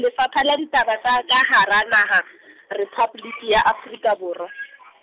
Lefapha la Ditaba tsa ka Hara Naha, Rephaboliki ya Afrika Borwa.